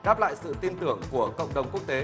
đáp lại sự tin tưởng của cộng đồng quốc tế